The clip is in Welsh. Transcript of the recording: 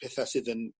petha sydd yn